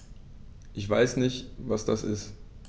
Ich weiß nicht, was das ist.